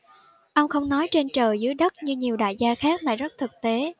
ông không nói trên trời dưới đất như nhiều đại gia khác mà rất thực tế